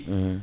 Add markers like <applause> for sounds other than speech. <hesitation> <hesitation>